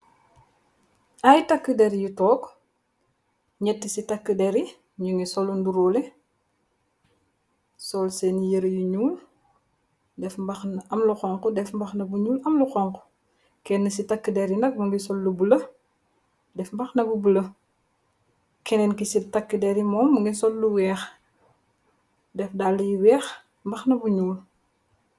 Ay takk der yu toog ñyetti ci takka deri ñu ngi solu nduróole sool seeni yër yu ñuul am luxonk def mbax na bu ñuul am luxonk kenn ci takk deri nag mu nga sollu bula def mbax na bu bula kenneen ki ci takk deri moon mu ngi sollu weex def dally weex mbax na bu ñyuul.